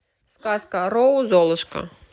сказка роу золушка